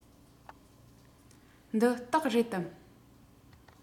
འདི སྟག རེད དམ